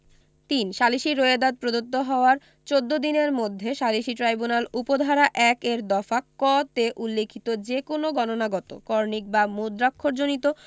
৩ সালিসী রোয়েদাদ প্রদত্ত হওয়ার চৌদ্দ দিনের মধ্যে সালিসী ট্রাইব্যুনাল উপ ধারা ১ এর দফা ক তে উল্লিখিত যে কোন গণনাগত করণিক বা মুদ্রাক্ষরজনিত